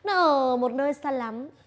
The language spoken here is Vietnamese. nó ở một nơi xa lắm